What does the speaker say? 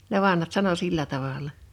ne vanhat sanoi sillä tavalla